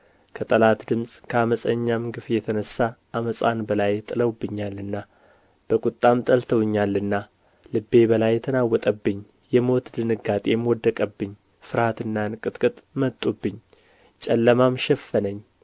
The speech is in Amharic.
ከጠላት ድምፅ ከዓመፀኛም ግፍ የተነሣ ዓመፃን በላዬ ጥለውብኛልና በቁጣም ጠልተውኛልና ልቤ በላዬ ተናወጠብኝ የሞት ድንጋጤም ወደቀብኝ ፍርሃትና እንቅጥቅጥ መጡብኝ ጨለማም ሸፈነኝ